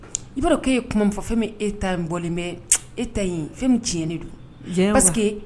I b'a dɔn k' e ye kuma fɔ fɛn min e ta bɔlen bɛ e fɛn tiɲɛn ne don